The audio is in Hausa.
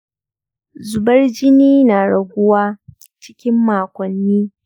zubar jini na raguwa cikin makonni